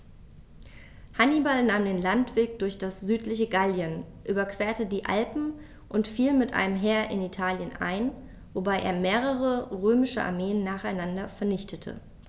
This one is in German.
Hannibal nahm den Landweg durch das südliche Gallien, überquerte die Alpen und fiel mit einem Heer in Italien ein, wobei er mehrere römische Armeen nacheinander vernichtete.